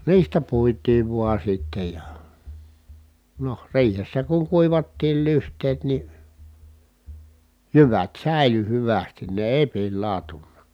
niistä puitiin vain sitten ja no riihessä kun kuivattiin lyhteet niin jyvät säilyi hyvästi ne ei pilaantunut